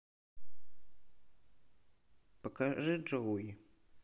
покажи джоуи